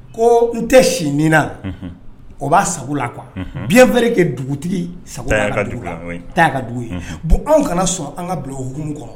Ko n tɛ siinina o b'a sago la qu bi bereri kɛ dugutigi sago ka dugu la ta ka dugu ye bon anw kana sɔn an ka bulonun kɔnɔ